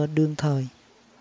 đương thời